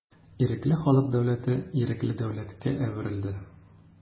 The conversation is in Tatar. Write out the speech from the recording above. Ирекле халык дәүләте ирекле дәүләткә әверелде.